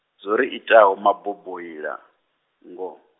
zwo ri itaho maboboila, ngo.